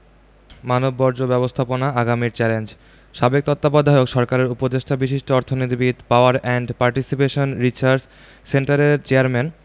মানববর্জ্য ব্যবস্থাপনা আগামীর চ্যালেঞ্জ সাবেক তত্ত্বাবধায়ক সরকারের উপদেষ্টা বিশিষ্ট অর্থনীতিবিদ পাওয়ার অ্যান্ড পার্টিসিপেশন রিসার্চ সেন্টারের চেয়ারম্যান